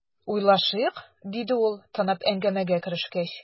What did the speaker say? "уйлашыйк", - диде ул, тынып, әңгәмәгә керешкәч.